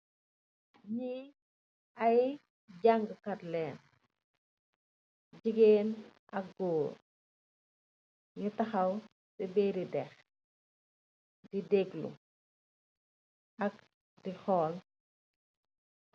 Lii ay jaangë kat lañ, jigéen ak goor. ñu taxaw, di dekloo ak di xool.